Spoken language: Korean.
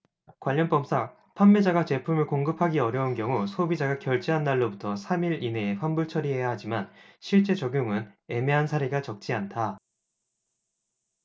관련법상 판매자가 제품을 공급하기 어려운 경우 소비자가 결제한 날로부터 삼 일 이내에 환불처리해야 하지만 실제 적용은 애매한 사례가 적지 않다